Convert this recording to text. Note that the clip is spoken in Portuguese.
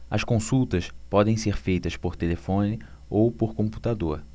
as consultas podem ser feitas por telefone ou por computador